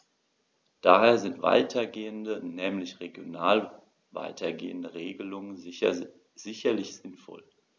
Daher sind weitergehende, nämlich regional weitergehende Regelungen sicherlich sinnvoll.